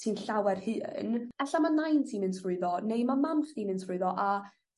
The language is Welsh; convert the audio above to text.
ti'n llawer hŷn, 'alla' ma' nain ti'n myn' trwyddo neu ma' mams chdi'n myn' trwyddo a